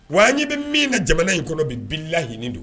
Wa an ɲɛ bɛ min ka jamana in kɔnɔ bɛ bila laɲini don